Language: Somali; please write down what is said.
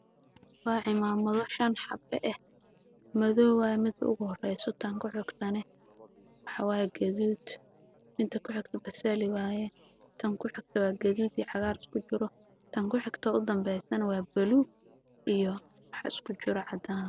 Waa cimaamado shan xabo ah